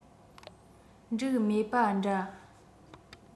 འགྲིག མེད པ འདྲ